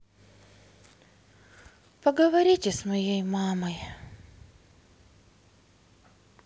поговорите с моей мамой